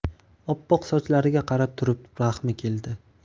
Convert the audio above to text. oppoq sochlariga qarab turib rahmi keldi